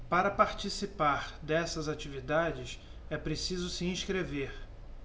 para participar dessas atividades é preciso se inscrever